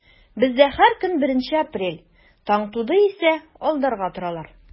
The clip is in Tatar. Бездә һәр көн беренче апрель, таң туды исә алдарга торалар.